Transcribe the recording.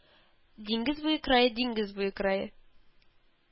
Диңгез буе крае Диңгез буе крае